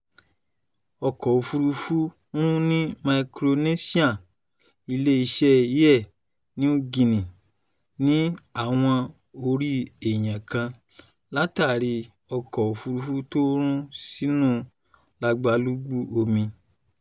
Ọkọ̀-òfúrufú run ní Micronesia: Ilé-iṣẹ́ Air Niugini ní àwọn ò rí èèyàn kan látàrí ọkọ̀-òfúrufú tó run sínu lagbalúgbú omi